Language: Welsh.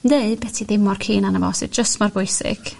neu be' ti ddim mor keen arna fo sydd jyst mor bwysig.